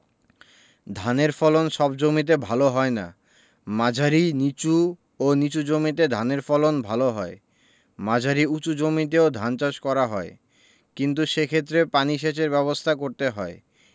ধানের ফলন সব জমিতে ভালো হয় না মাঝারি নিচু ও নিচু জমিতে ধানের ফলন ভালো হয় মাঝারি উচু জমিতেও ধান চাষ করা হয় কিন্তু সেক্ষেত্রে পানি সেচের ব্যাবস্থা করতে হয়